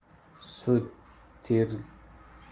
sud tirgovishte qirollik